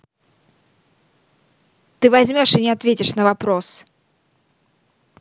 ты возьмешь и не ответишь на вопрос